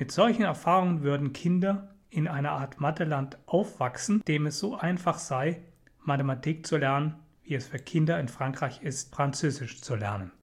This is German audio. solchen Erfahrungen würden Kinder in einer Art Matheland aufwachsen, in dem es so einfach sei, Mathematik zu lernen, wie es für Kinder in Frankreich ist, französisch zu lernen